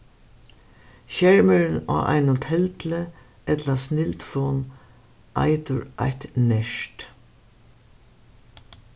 skermurin á einum teldli ella snildfon eitur eitt nert